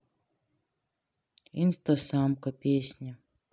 инстасамка песня